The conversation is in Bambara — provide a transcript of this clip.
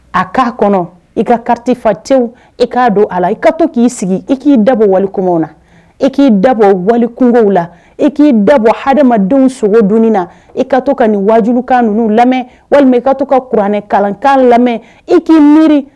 A k'a kɔnɔ i ka kariti fa tewu e k'a don ala i ka to k'i sigi e k'i dabɔ walekw na e k'i dabɔ walikun la e k'i dabɔ hadenw sogo don na i ka to ka nin wajukan ninnu lamɛn walima i ka to ka kuranɛ kalankan lamɛn i k'i miiri